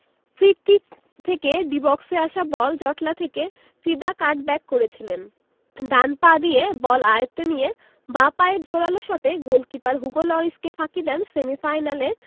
free kick থেকে D বক্সে আসা বল জটলা থেকে ভিদা কাটব্যাক করেছিলেন ডান পা দিয়ে বল আয়ত্তে নিয়ে বাঁ পায়ের জোরালো শটে গোলকিপার হুগো লরিসকে ফাঁকি দেন সেমিফাইনালে